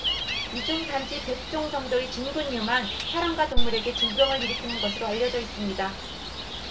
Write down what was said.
이 중 단지 백 종 정도의 진균류만 사람과 동물에게 질병을 일으키는 것으로 알려져 있습니다